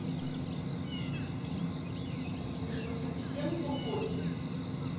ты что совсем глухой